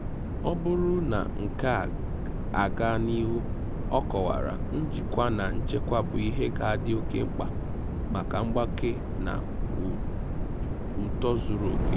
Ọ bụrụ na nke a agaa n'ihu, ọ kọwara, njikwa na nchekwa bụ ihe ga-adị oke mkpa maka mgbake na uto zuru oke: